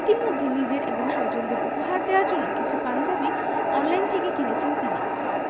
ইতিমধ্যে নিজের এবং স্বজনদের উপহার দেওয়ার জন্য কিছু পাঞ্জাবি অনলাইন থেকে কিনেছেন তিনি